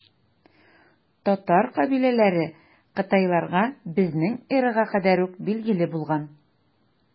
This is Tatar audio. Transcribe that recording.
Татар кабиләләре кытайларга безнең эрага кадәр үк билгеле булган.